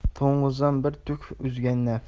to'ng'izdan bir tuk uzgan naf